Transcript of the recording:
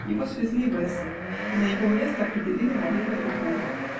его свезли в С *** и на его место определили на время другого.